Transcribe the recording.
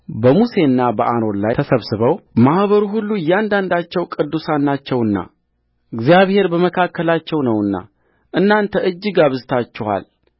በሙሴና በአሮን ላይ ተሰብስበው ማኅበሩ ሁሉ እያንዳንዳቸው ቅዱሳን ናቸውና እግዚአብሔርም በመካከላቸው ነውና እናንተ እጅግ አብዝታችኋል